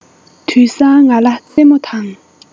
དུས སང ང ལ ཙེ མོ དང